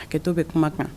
Hakɛ kɛtɔ bɛ kuma jumɛn